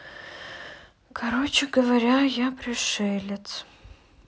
короче говоря я пришелец